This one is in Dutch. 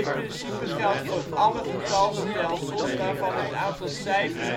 principe geldt voor alle getalstelsels waarvan het aantal cijfers